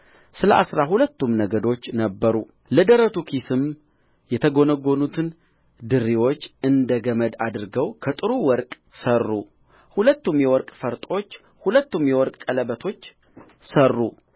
ስለ አሥራ ሁለቱም ነገዶች ነበሩ ለደረቱ ኪስም የተጐነጐኑትን ድሪዎች እንደ ገመድ አድርገው ከጥሩ ወርቅ ሠሩ ሁለትም የወርቅ ፈርጦች ሁለትም የወርቅ ቀለበቶች ሠሩ